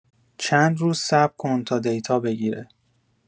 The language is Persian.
چند روز صبر کن تا دیتا بگیره